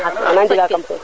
ana njega kam fe